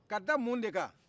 ka da mun de kan